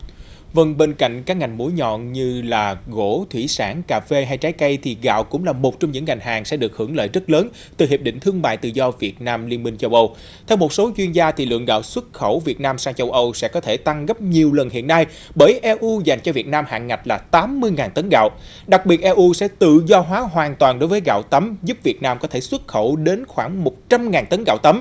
vâng bên cạnh các ngành mũi nhọn như là gỗ thủy sản cà phê hay trái cây thì gạo cũng là một trong những ngành hàng sẽ được hưởng lợi rất lớn từ hiệp định thương mại tự do việt nam liên minh châu âu theo một số chuyên gia thì lượng gạo xuất khẩu việt nam sang châu âu sẽ có thể tăng gấp nhiều lần hiện nay bởi eu dành cho việt nam hạn ngạch là tám mươi ngàn tấn gạo đặc biệt eu sẽ tự do hóa hoàn toàn đối với gạo tấm giúp việt nam có thể xuất khẩu đến khoảng một trăm ngàn tấn gạo tấm